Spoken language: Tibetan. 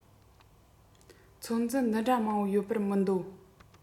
ཚོད འཛིན འདི འདྲ མང བོ ཡོད པར མི འདོད